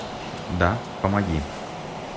да помоги